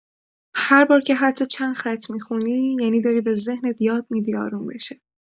هر بار که حتی چند خط می‌خونی، یعنی داری به ذهنت یاد می‌دی آروم بشه.